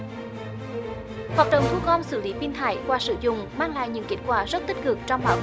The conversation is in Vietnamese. gom xử lý minh hải qua sử dụng mang lại những kết quả rất tích cực trong bảo vệ